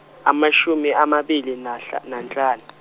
amashumi amabili nahla- nanhlanu .